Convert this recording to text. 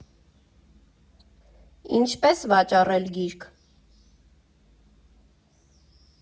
Ինչպե՞ս վաճառել գիրք.